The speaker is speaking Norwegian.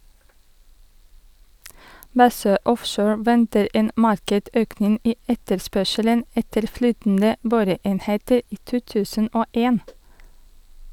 Bassøe Offshore venter en markert økning i etterspørselen etter flytende boreenheter i 200 1.